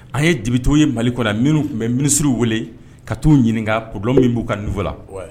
An yebitɔ ye mali kɔ minnu tun bɛ miniriw weele ka taa'u ɲininka odɔn min b'u ka ninfɔ